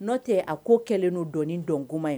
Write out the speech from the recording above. N'o tɛ a ko kɛlen n'o dɔn dɔn kuma in ye